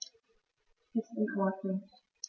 Ist in Ordnung.